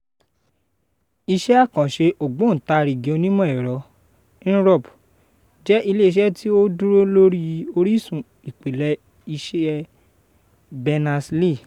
Iṣẹ́ àkànṣe Ògbóǹtarìgì onímọ̀ ẹ̀rọ, Inrupt, jẹ́ ilé iṣẹ́ tí ó dúró lórí i orísun ìpìlẹ̀ iṣẹ́ Berners-Lee.